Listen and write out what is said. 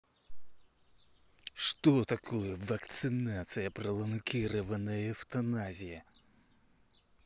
что такое вакцинация пролонгированная эвтаназия